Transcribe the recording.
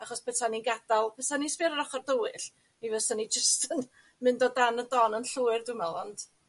Achos petai ni'n gadal... Bysan ni' sbio ar yr ochor dywyll mi fysan ni jyst yn mynd o dan y don yn llwyr dwi me'wl ond